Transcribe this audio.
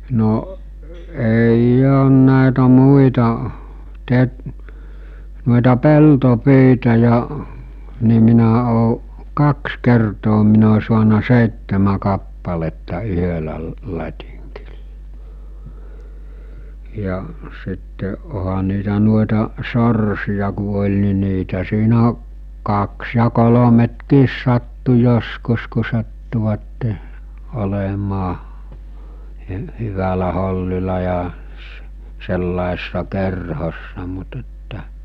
no ei ole näitä muita - noita peltopyitä ja niin minä olen kaksi kertaa minä olen saanut seitsemän kappaletta yhdellä - latingilla ja sitten onhan niitä noita sorsia kun oli niin niitä siinä kaksi ja kolmekin sattui joskus kun sattuivat olemaan - hyvällä hollilla ja - sellaisessa kerhossa mutta että